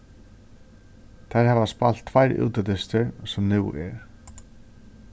tær hava spælt tveir útidystir sum nú er